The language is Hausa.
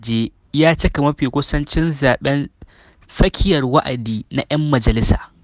Kuɗin waje ya cika mafi kusancin zaben tsakiyar wa’adi na ‘yan majalisa